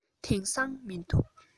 དེང སང མི འདུག